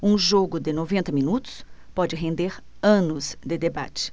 um jogo de noventa minutos pode render anos de debate